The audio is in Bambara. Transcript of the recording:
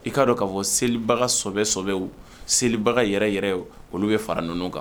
I k'a dɔn k'a fɔ selibagabɛbɛw selibaga yɛrɛ yɛrɛ olu bɛ fara ninnu kan